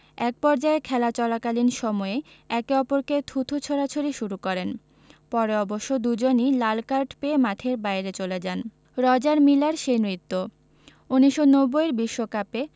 একপর্যায়ে খেলা চলাকালীন সময়েই একে অপরকে থুতু ছোড়াছুড়ি শুরু করেন পরে অবশ্য দুজনই লাল কার্ড পেয়ে মাঠের বাইরে চলে যান রজার মিলার সেই নৃত্য ১৯৯০ এর বিশ্বকাপে